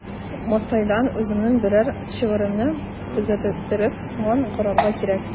Мостайдан үземнең берәр шигыремне төзәттереп сынап карарга кирәк.